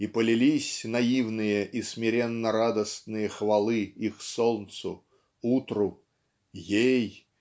и полились наивные и смиренно-радостные хвалы их солнцу утру Ей